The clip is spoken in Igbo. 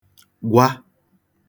gwa